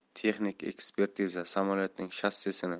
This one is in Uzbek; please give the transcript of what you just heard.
texnik ekspertiza samolyotning shassini